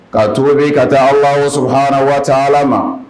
Ka cogobi ka taa awsu hra wa ala ma